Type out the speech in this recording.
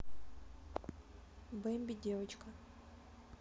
бэмби девочка